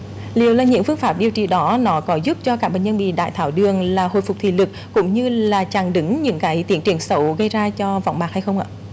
liệu là những phương pháp điều trị đó nó có giúp cho các bệnh nhân bị đái tháo đường là hồi phục thị lực cũng như là chặn đứng những cải tiến triển xấu gây ra cho võng mạc hay không ạ